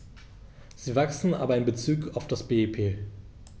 Sie wachsen, aber in bezug auf das BIP.